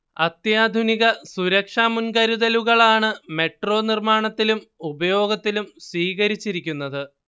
അത്യാധുനിക സുരക്ഷാ മുൻകരുതലുകളാണ് മെട്രോ നിർമ്മാണത്തിലും ഉപയോഗത്തിലും സ്വീകരിച്ചിരിക്കുന്നത്